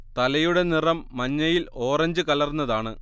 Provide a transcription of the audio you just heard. തലയുടെ നിറം മഞ്ഞയിൽ ഓറഞ്ച് കലർന്നതാണ്